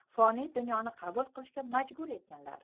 foniy dunyoni qabul qilishga majbur etganlar